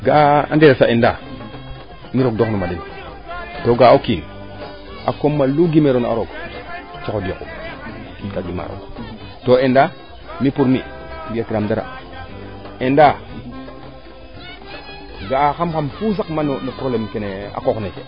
ga'a a ndeeres fo ENDA mi roog dong to ga'a o kiin a koomalu gimeeroona a roog coxod yoqu o kiin ka gima roog to ENDA mi pour mi fiyatiraam dara ENDA ga'a xam xam fu saquma no probleme kene a qooq neeke